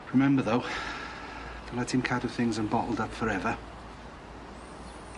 Remember though dyla ti'm cadw things yn bottled up forever.